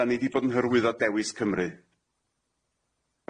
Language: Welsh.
'Dan ni di bod yn hyrwyddo Dewis Cymru.